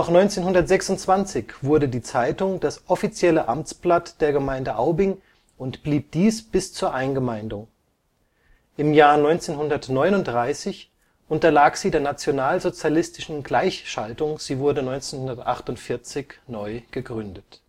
1926 wurde die Zeitung das offizielle Amtsblatt der Gemeinde Aubing und blieb dies bis zur Eingemeindung. Im Jahr 1939 unterlag sie der nationalsozialistischen Gleichschaltung, sie wurde 1948 neu gründet